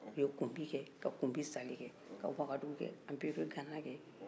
u ye kunbi kɛ ka kunbi sale kɛ wagadu kɛ anpiri di gana kɛ